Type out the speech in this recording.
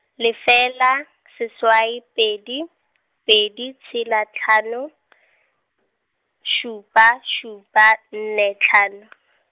lefela, seswai pedi, pedi tshela hlano , šupa, šupa, nne hlano.